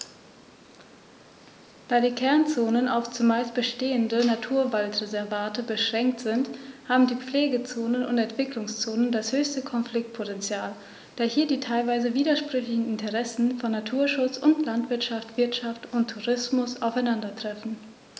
Da die Kernzonen auf – zumeist bestehende – Naturwaldreservate beschränkt sind, haben die Pflegezonen und Entwicklungszonen das höchste Konfliktpotential, da hier die teilweise widersprüchlichen Interessen von Naturschutz und Landwirtschaft, Wirtschaft und Tourismus aufeinandertreffen.